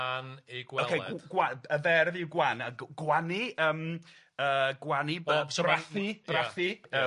Ocê gw- gwa- y ferf yw gwan a g- gwanu yym yy gwanu yy so brathu brathu